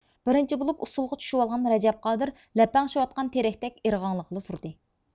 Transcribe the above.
بىرىنچى بولۇپ ئۇسسۇلغا چۈشۈۋالغان رەجەپ قادىر لەپەڭشىۋاتقان تېرەكتەك ئىرغاڭلىغىلى تۇردى